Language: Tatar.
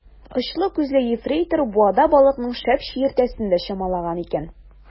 Очлы күзле ефрейтор буада балыкның шәп чиертәсен дә чамалаган икән.